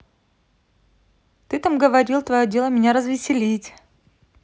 ты там говорил твое дело меня развеселить